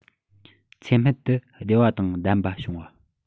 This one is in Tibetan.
ཚེ སྨད དུ བདེ བ དང ལྡན པ བྱུང བ